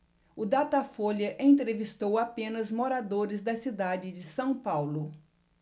o datafolha entrevistou apenas moradores da cidade de são paulo